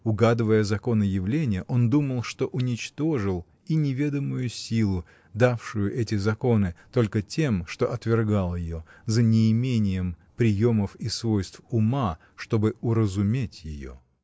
Угадывая законы явления, он думал, что уничтожил и неведомую силу, давшую эти законы, только тем, что отвергал ее, за неимением приемов и свойств ума, чтобы уразуметь ее.